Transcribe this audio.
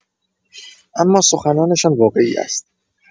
اما سخنانشان واقعی است.